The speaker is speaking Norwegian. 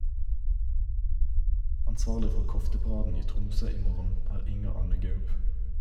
Ansvarlig for kofteparaden i Tromsø i morgen er Inger Anne Gaup.